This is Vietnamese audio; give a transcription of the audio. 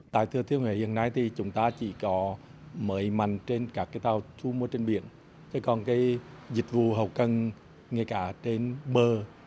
tại thừa thiên huế hiện nay thì chúng ta chỉ có mới mạnh trên các tàu thu mua trên biển thế còn cái dịch vụ hậu cần nghề cá trên bờ